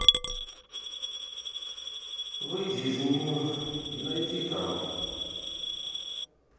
выйди из меню и найди там